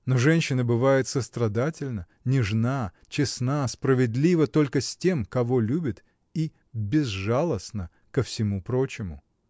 Но женщина бывает сострадательна, нежна, честна, справедлива только с тем, кого любит, и безжалостна ко всему прочему.